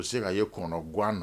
U bɛ se ka ye kɔnɔ gan na